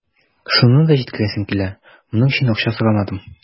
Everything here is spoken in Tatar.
Шуны да җиткерәсем килә: моның өчен акча сорамадым.